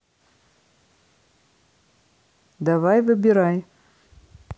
давай выбирай